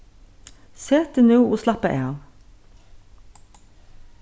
set teg nú og slappa av